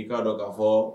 I k'a dɔn k kaa fɔ